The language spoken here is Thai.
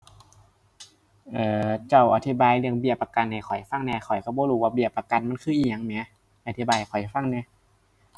เอ่อ เจ้าอธิบายเรื่องเบี้ยประกันให้ข้อยฟังแหน่ ข้อยก็บ่รู้ว่าเบี้ยประกันมันคืออิหยังแหม อธิบายให้ข้อยฟังแหน่